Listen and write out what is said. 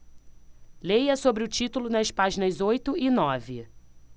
leia sobre o título nas páginas oito e nove